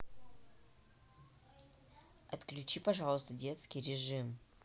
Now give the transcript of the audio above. отключи пожалуйста детский режим